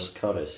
Corus.